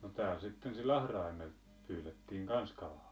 no täällä sitten sillä atraimella pyydettiin kanssa kalaa